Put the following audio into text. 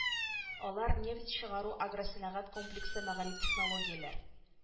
Алар нефть чыгару агросәнәгать комплексы мәгариф технологияләр